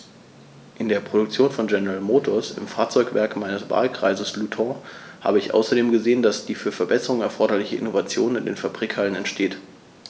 In der Produktion von General Motors, im Fahrzeugwerk meines Wahlkreises Luton, habe ich außerdem gesehen, dass die für Verbesserungen erforderliche Innovation in den Fabrikhallen entsteht.